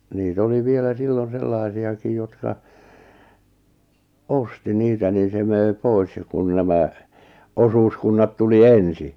niitä oli vielä silloin sellaisiakin jotka osti niitä niin se möi pois ja kun nämä osuuskunnat tuli ensin